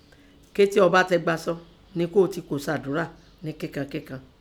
Kété ọ bá ti gbásọ kòó nẹ kọ́ọ tẹ kò saàdọ́rà ńẹ́ kẹ́kankẹ́kan.